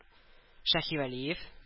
Шаһивәлиев